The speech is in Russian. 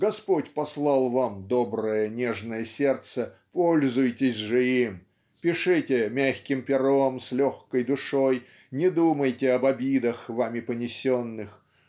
Господь послал Вам доброе нежное сердце пользуйтесь же им пишите мягким пером с легкой душой не думайте об обидах Вами понесенных.